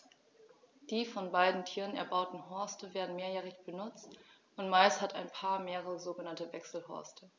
Die von beiden Tieren erbauten Horste werden mehrjährig benutzt, und meist hat ein Paar mehrere sogenannte Wechselhorste.